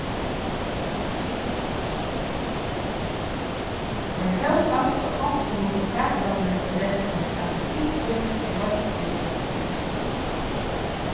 men tó sæst á tonkunum og fatanini hjá gentuni at hon ikki er heilt búgvin enn